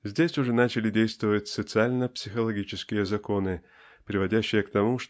Здесь уже начали действовать социально психологические законы приводящие к тому